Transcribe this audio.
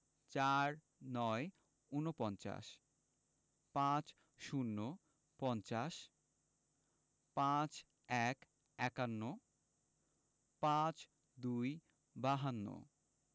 ৪৯ – উনপঞ্চাশ ৫০ - পঞ্চাশ ৫১ – একান্ন ৫২ - বাহান্ন